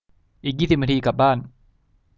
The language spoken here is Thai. อีกยี่สิบนาทีกลับบ้าน